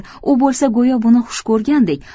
u bo'lsa go'yo buni xush ko'rgandek